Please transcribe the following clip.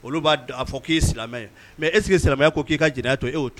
Olu b'a k'i silamɛ mɛ e sigi silamɛ ko k'i ka jɛnɛ to e